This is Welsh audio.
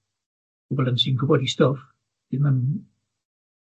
pobol yn sy'n gwbod 'u stwff, ddim yn